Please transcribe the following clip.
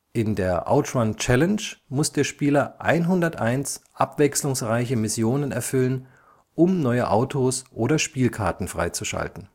In der OutRun Challenge muss der Spieler 101 abwechslungsreiche Missionen erfüllen, um neue Autos oder Spielkarten freizuschalten